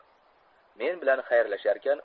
men bilan xayrlasharkan